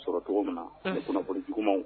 O sɔrɔ cogo min na fana kunnafoni juguma